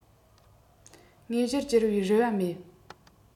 དངོས གཞིར བསྒྱུར བའི རེ བ མེད